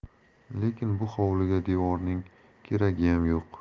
lekin bu hovliga devorning keragiyam yo'q